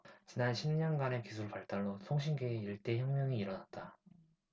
지난 십 년간 기술의 발달로 통신계에 일대 혁명이 일어났다